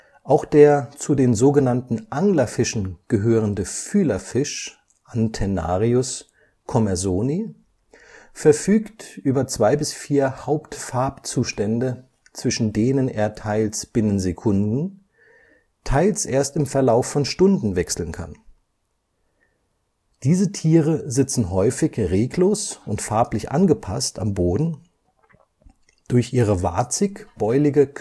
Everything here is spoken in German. Auch der zu den sogenannten Anglerfischen gehörende Fühlerfisch Antennarius commersoni verfügt über zwei bis vier Hauptfarbzustände, zwischen denen er teils binnen Sekunden, teils erst im Verlauf von Stunden wechseln kann. Diese Tiere sitzen häufig reglos und farblich angepasst am Boden, durch ihre warzig-beulige